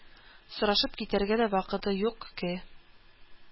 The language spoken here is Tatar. Сорашып китәргә дә вакыты юк ке